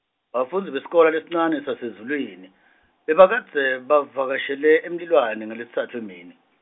bafundzi besikolwa lesincane saseZulwini, bebakadze, bavakashele eMlilwane ngaLesitsatfu emini.